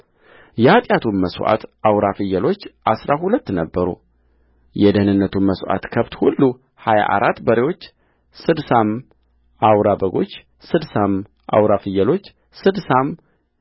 የኃጢአትም መሥዋዕት አውራ ፍየሎች አሥራ ሁለት ነበሩየደኅንነትም መሥዋዕት ከብት ሁሉ ሀያ አራት በሬዎች ስድሳም አውራ በጎች ስድሳም አውራ ፍየሎች ስድሳም